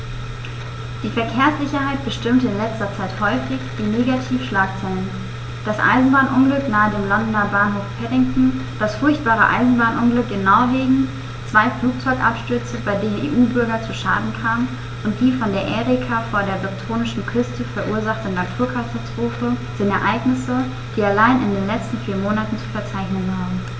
Die Verkehrssicherheit bestimmte in letzter Zeit häufig die Negativschlagzeilen: Das Eisenbahnunglück nahe dem Londoner Bahnhof Paddington, das furchtbare Eisenbahnunglück in Norwegen, zwei Flugzeugabstürze, bei denen EU-Bürger zu Schaden kamen, und die von der Erika vor der bretonischen Küste verursachte Naturkatastrophe sind Ereignisse, die allein in den letzten vier Monaten zu verzeichnen waren.